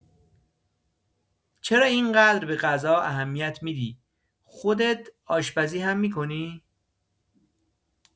چرا اینقدر به غذا اهمیت می‌دی، خودت آشپزی هم می‌کنی؟